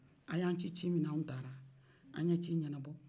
a y'an ci ci min na anw taara an ye ci ɲɛnabɔ